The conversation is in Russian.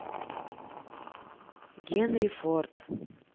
генри форд